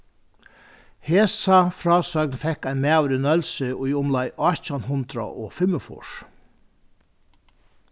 hesa frásøgn fekk ein maður í nólsoy í umleið átjan hundrað og fimmogfýrs